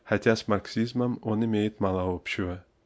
хотя с марксизмом он имеет мало общего.